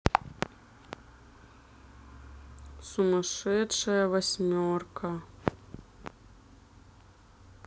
сумасшедшая восьмерка